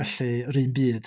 Felly yr un byd.